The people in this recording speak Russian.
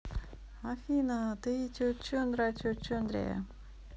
афина ты чучундра чучундре